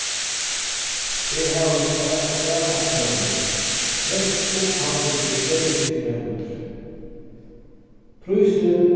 eg havi tvær eittkrónur restupphæddin er sjeyogtrýss krónur prísurin